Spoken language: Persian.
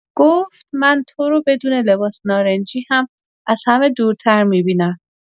گفت: «من تو رو بدون لباس نارنجی هم از همه دورتر می‌بینم.»